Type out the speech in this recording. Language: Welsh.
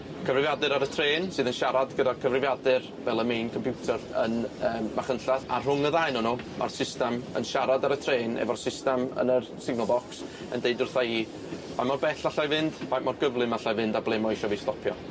Cyfrifiadur ar y trên sydd yn siarad gyda cyfrifiadur fel y main computer yn yym Machynllath a rhwng y ddau onan nw ma'r systam yn siarad ar y trên efo'r systam yn yr signal box yn deud wrtha i pa mor bell allai fynd, faint mor gyflym allai fynd a ble mae o isia fi stopio.